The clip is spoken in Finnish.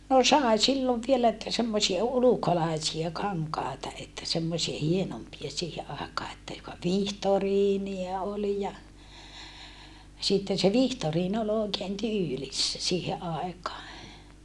no sai silloin vielä että semmoisia ulkolaisia kankaita että semmoisia hienompia siihen aikaan että joka vihtoriinia oli ja sitten se vihtoriini oli oikein tyylissä siihen aikaan